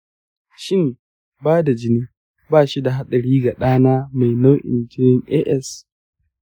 shin bada jini bashida hatsari ga ɗana mai nau’in jinin as?